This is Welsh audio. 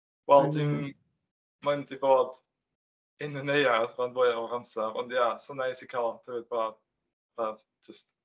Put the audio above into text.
Wel, dwi'n mynd i fod yn y neuadd rhan fwyaf o'r amser, ond ia sa'n neis i cael tywydd braf a jyst...